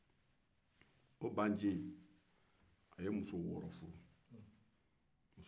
o baa nci ye muso wɔɔrɔ furu